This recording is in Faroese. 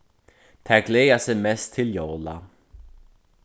tær gleða seg mest til jóla